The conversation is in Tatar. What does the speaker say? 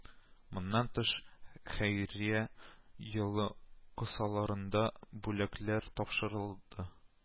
Моннан тыш, Хәйрия елы кысаларында бүләкләр тапшырылды